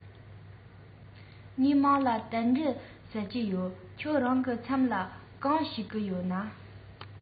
ངའི མིང ལ རྟ མགྲིན ཟེར གྱི ཡོད ཁྱེད རང གི མཚན ལ གང ཞུ གི ཡོད ན